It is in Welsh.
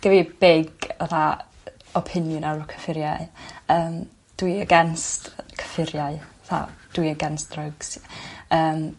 Gen fi big fatha opinion ar cyffuriau yym dwi against cyffuriau. 'Tha dwi against drugs. yym.